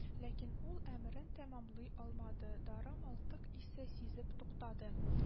Ләкин ул әмерен тәмамлый алмады, дары-мылтык исе сизеп туктады